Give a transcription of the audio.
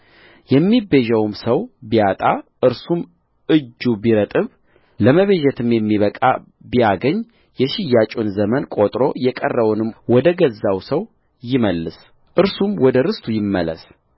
የሚቤዠውም ሰው ቢያጣ እርሱም እጁ ቢረጥብ ለመቤዠትም የሚበቃ ቢያገኝየሽያጩን ዘመን ቈጥሮ የቀረውን ወደ ገዛው ሰው ይመልስ እርሱም ወደ ርስቱ ይመለስ